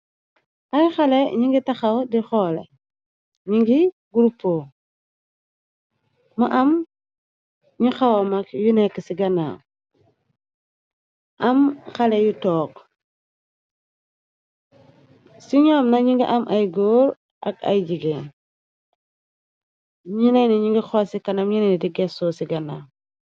Ay xale ñi ngi taxaw di xoole ñi ngi gurupeo më am ñu xawamag yu nekk ci ganaaw am xale yu toog ci ño am nañi ngi am ay góor ak ay jigé ñu nayni ñi ngi xooci kanam ñu nayni di géssoo ci ganaaw.